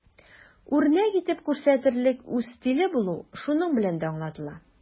Үрнәк итеп күрсәтерлек үз стиле булу шуның белән дә аңлатыла.